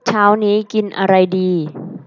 เช้านี้กินอะไรดี